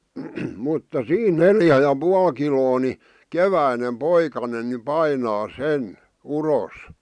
mutta siinä neljä ja puoli kiloa niin keväinen poikanen niin painaa sen uros